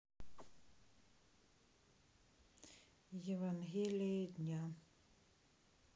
евангелие дня